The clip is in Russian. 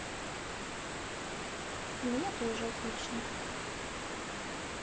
у меня тоже отлично